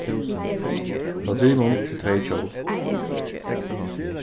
frá trimum til tvey hjól